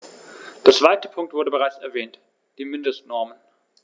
Der zweite Punkt wurde bereits erwähnt: die Mindestnormen.